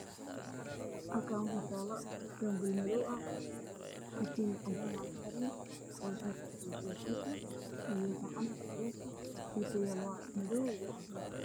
Meeshaan waxaa yaalo boonbalo madow ah waxaa kujiro katiin cadaan iyo gacan goys ah, dhulka uu yaalo waa cadeys iyo madow.